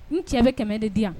Ni cɛ bɛ kɛmɛ de di yan